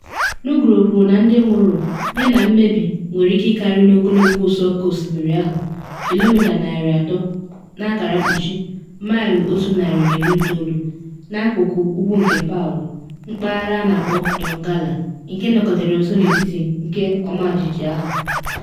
Nugroho kwuru na ndị nwụrụ yana mmebi nwere ike ịkarị n’ogologo ụsọ oke osimiri ahụ kilomita narị atọ (maịlụ otu narị na iri itoolu) n’akụkụ ugwu nke Palu, mpaghara a na akpọ Donggala, nke nọketere nso na etiti nke ọmajiji ahụ.